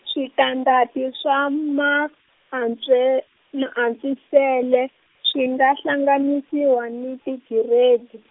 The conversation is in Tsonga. switandati swa maantswe- maantswisele swi nga hlanganisiwa ni tigiredi.